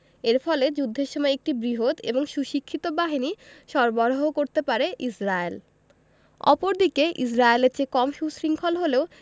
এর ফলে যুদ্ধের সময় একটি বৃহৎ এবং সুপ্রশিক্ষিত বাহিনী সরবরাহ করতে পারে ইসরায়েল অপরদিকে ইসরায়েলের চেয়ে কম সুশৃঙ্খল হলেও